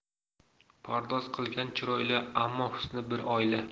pardoz qilgan chiroyli ammo husni bir oyli